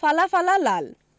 ফালা ফালা লাল